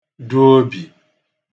du obì